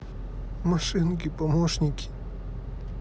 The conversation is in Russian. машинки помощники